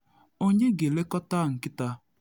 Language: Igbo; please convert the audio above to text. Onye ga-elekọta nkịta?